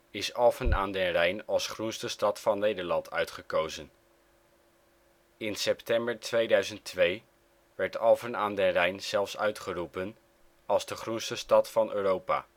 is Alphen aan den Rijn als Groenste stad van Nederland uitgekozen. In september 2002 werd Alphen aan den Rijn zelfs uitgeroepen als de Groenste Stad van Europa